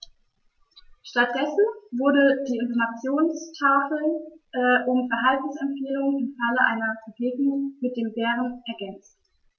Stattdessen wurden die Informationstafeln um Verhaltensempfehlungen im Falle einer Begegnung mit dem Bären ergänzt.